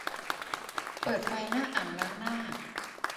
เปิดไฟหน้าอ่างล้างหน้า